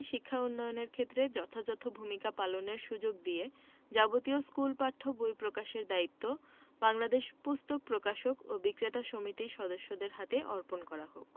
শিক্ষা উন্নয়নের ক্ষেত্রে যথাযথ ভূমিকা পালনের সুযোগ দিয়ে যাবতীয় স্কুল পাঠ্য বই প্রকাশের দায়িত্ব বাংলাদেশ পুস্তক প্রকাশক ও বিক্রেতা সমিতির সদস্যদের হাতে অর্পণ করা হোক